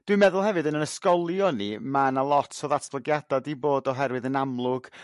Dwi'n meddwl hefyd yn 'yn ysgolion ni ma' 'na lot o ddatblygiada' 'di bod oherwydd yn amlwg